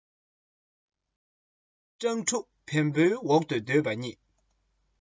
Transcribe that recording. སྤྲང ཕྲུག བེམ པོའི འོག ཏུ སྡོད པ གཉིས